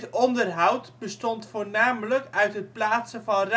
onderhoud bestond voornamelijk uit het plaatsen van rijshoutschermen